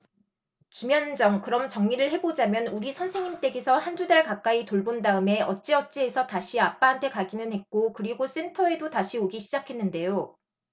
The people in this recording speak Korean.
김현정 그럼 정리를 해 보자면 우리 선생님 댁에서 한 두 달 가까이 돌본 다음에 어쩌어찌해서 다시 아빠한테 가기는 했고 그리고 센터에도 다시 오기 시작했는데요